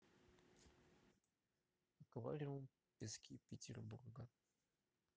аквариум пески петербурга